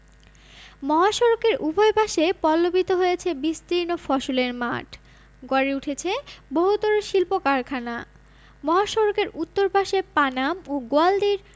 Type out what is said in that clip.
মহাসড়কের উভয় পাশে পল্লবিত হয়েছে বিস্তীর্ণ ফসলের মাঠ গড়ে উঠেছে বহুতর শিল্প কারখানা মহাসড়কের উত্তর পাশে পানাম ও গোয়ালদির